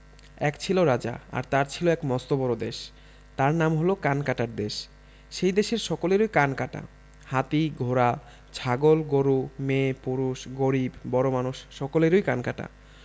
এক ছিল রাজা আর তার ছিল এক মস্ত বড়ো দেশ তার নাম হল কানকাটার দেশ সেই দেশের সকলেরই কান কাটা হাতি ঘোড়া ছাগল গরু মেয়ে পুরুষ গরিব বড়োমানুয সকলেরই কান কাটা